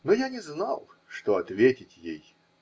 Но я не знал, что ответить ей.